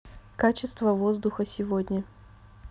качество воздуха сегодня